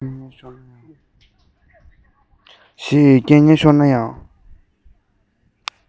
ཞེས སྐད ངན ཤོར ན ཡང